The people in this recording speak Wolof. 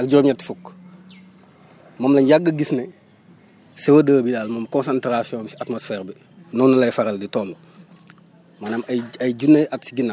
ak juróom-ñett fukk moom la ñu yàgg a gis ne CO2 bi daal moom concentration am ci atmosphère bi noonu lay faral di toll maanaam ay ci ay junney at si ginnaaw